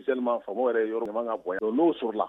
Se faama yɛrɛ yɔrɔ ka bɔ n'o sɔrɔla la